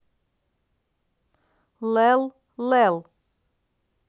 лэл лэл